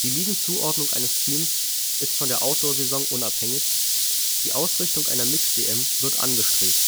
Ligenzuordnung eines Teams ist von der Outdoorsaison unabhängig, die Ausrichtung einer Mixed-DM wird angestrebt